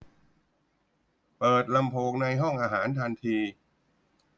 เปิดลำโพงในห้องอาหารทันที